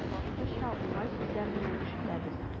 Башлыча, уңай сүзләр генә ишетәбез.